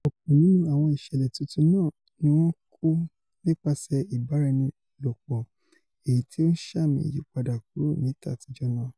Ọ̀pọ̀ nínú àwọn ìṣẹ̀lẹ̀ tuntun náà níwọn kó nípaṣẹ̀ ìbáraẹnilòpọ̀, èyití ó ńṣàmì ìyípadà kúrò ní tàtijọ́ náà.